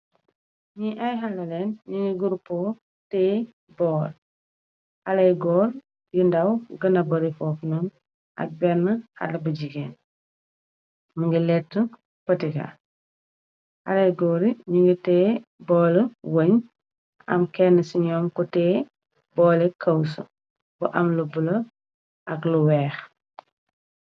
Ñi ay haleleen ñu ngi gurupo tée bool. haleh goor yiu ndaw gëna bari fofnoon ak benn Haley bu jigeen mu ngi lettu potika. haley goori ñu ngi teej bool li weñ am kenn ci ñoom ko tée bool li këwsu bu am lu bula ak lu weex.